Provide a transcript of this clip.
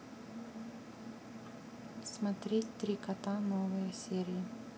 смотреть три кота новые серии